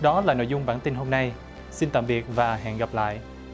đó là nội dung bản tin hôm nay xin tạm biệt và hẹn gặp lại